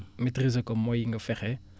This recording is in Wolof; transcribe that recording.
maitriser ko mooy nga fexe